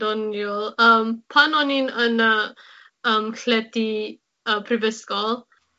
doniol am pan o'n i'n yn y yym llety yy prifysgol